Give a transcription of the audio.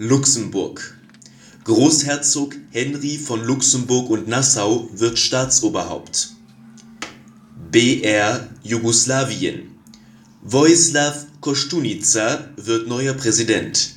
Luxemburg: Großherzog Henri von Luxemburg und Nassau wird Staatsoberhaupt. BR Jugoslawien: Vojislav Koštunica wird neuer Präsident